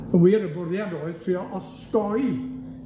Yn wir, y bwriad oedd trio osgoi